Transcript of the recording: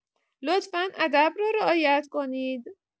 لطفا ادب رو رعایت کنید.